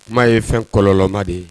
Kuma ye fɛn kɔlɔnma de ye